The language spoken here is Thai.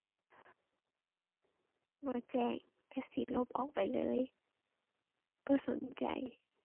บ่แจ้งแต่สิลบออกไปเลย บ่สนใจ